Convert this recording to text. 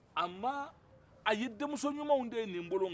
a ma a ye denmuso ɲumanw de ye nin bolo